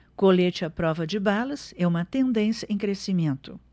colete à prova de balas é uma tendência em crescimento